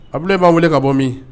Abulayi b'an wele ka bɔ min?